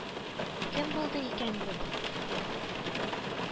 Кем булды икән бу